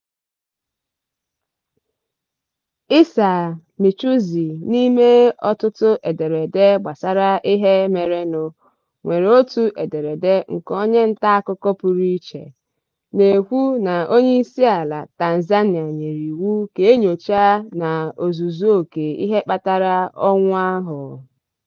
Issa Michuzi, n'ime ọtụtụ ederede gbasara ihe merenụ, nwere otu ederede nke onye ntaakụkọ pụrụ iche, na-ekwu na Onyeisiala Tanzania nyere iwu ka e nyochaa n'ozuzuoke ihe kpatara ọnwụ ahụ.